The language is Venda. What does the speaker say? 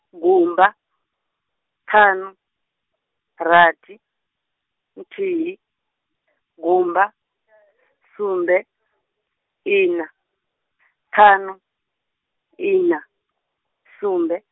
gumba, ṱhanu, rathi, nthihi, gumba, sumbe, ina, ṱhanu ina, sumbe.